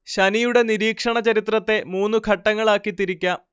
ശനിയുടെ നിരീക്ഷണ ചരിത്രത്തെ മൂന്ന് ഘട്ടങ്ങളാക്കി തിരിക്കാം